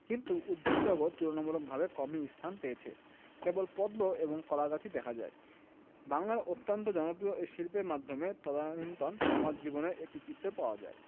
কিন্তু উদ্ভিদজগৎ তুলনামূলকভাবে কমই স্থান পেয়েছে কেবল পদ্ম এবং কলাগাছই দেখা যায় বাংলার অত্যন্ত জনপ্রিয় এ শিল্পের মাধ্যমে তদানীন্তন সমাজ জীবনের একটা চিত্র পাওয়া যায়